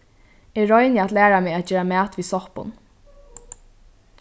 eg royni at læra meg at gera mat við soppum